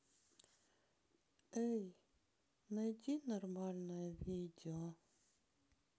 эй найди нормальные видео